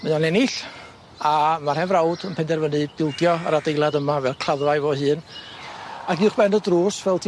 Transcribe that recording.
Ma' o'n ennill a ma'r hen frawd yn penderfynu bildio yr adeilad yma fel claddfa i fo hun ag uwchben y drws fel